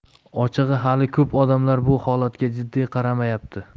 ochig'i hali ko'p odamlar bu holatga jiddiy qaramayapti